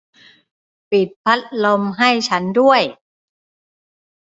ปิดพัดลมให้ฉันด้วย